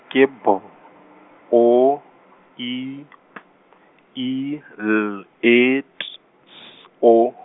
ke B, O, I, P, I L E T S O.